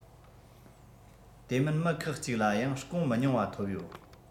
དེ མིན མི ཁག གཅིག ལ ཡང སྐོང མི ཉུང བ ཐོབ ཡོད